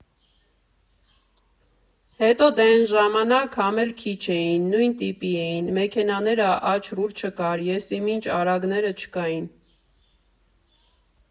Հետո դե էն ժամանակ համ էլ քիչ էին, նույն տիպի էին մեքենաները՝ աջ ռուլ չկար, եսիմինչ արագները չկային։